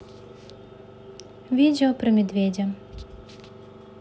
видео про медведя